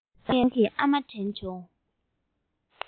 ངས རང གི ཨ མ དྲན བྱུང